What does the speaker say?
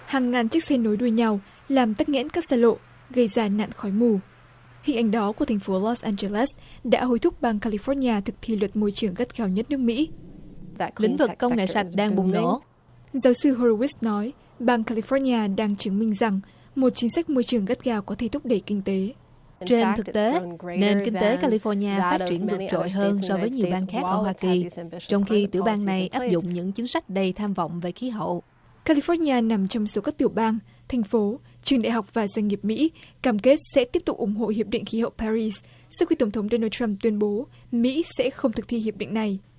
hàng ngàn chiếc xe nối đuôi nhau làm tắc nghẽn các xa lộ gây ra nạn khói mù khi anh đó của thành phố lốt an giơ lét đã hối thúc bang ca li phốt ni a thực thi luật môi trường gắt gao nhất nước mỹ lĩnh vực công nghệ sạch đang bùng nổ giáo sư hốt rét nói bang ca li phót li a đang chứng minh rằng một chính sách môi trường gắt gao có thể thúc đẩy kinh tế trên thực tế nền kinh tế ca li phót ni a phát triển vượt trội hơn so với nhiều bang khác ở hoa kỳ trong khi tiểu bang này áp dụng những chính sách đầy tham vọng về khí hậu ca li phót ni a nằm trong số các tiểu bang thành phố trường đại học và doanh nghiệp mỹ cam kết sẽ tiếp tục ủng hộ hiệp định khí hậu pa ri sau khi tổng thống đo nồ trăm tuyên bố mỹ sẽ không thực thi hiệp định này